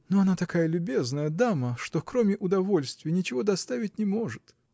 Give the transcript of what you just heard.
но она такая любезная дама, что, кроме удовольствия, ничего доставить не может.